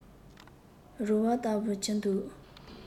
རོལ བ ལྟ བུར གྱུར འདུག